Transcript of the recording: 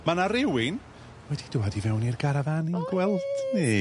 Ma' 'na rywun wedi dŵad i fewn i'r garafan gweld i'n gweld ni.